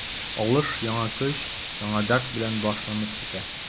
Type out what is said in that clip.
Алыш яңа көч, яңа дәрт белән башланып китә.